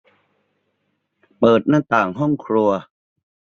เปิดหน้าต่างห้องครัว